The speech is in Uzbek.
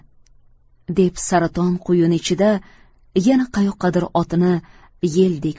deb saraton quyuni ichida yana qayoqqadir otini yeldek